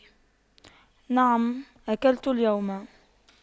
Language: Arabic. نعم أكلت اليوم